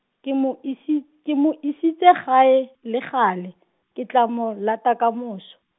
ke mo isi-, ke mo isitse gae, le gale, ke tla mo lata ka moso.